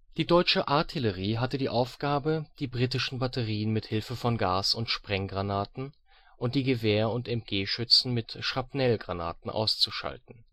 Die deutsche Artillerie hatte die Aufgabe, die britischen Batterien mit Hilfe von Gas - und Sprenggranaten und die Gewehr - und MG-Schützen mit Schrapnellgranaten auszuschalten